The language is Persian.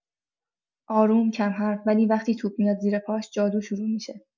آروم، کم‌حرف، ولی وقتی توپ میاد زیر پاش، جادو شروع می‌شه.